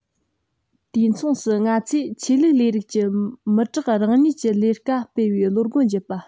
དུས མཚུངས སུ ང ཚོས ཆོས ལུགས ལས རིགས ཀྱི མི དྲག རང ཉིད ཀྱིས ལས ཀ སྤེལ བའི བློ སྒོ འབྱེད པ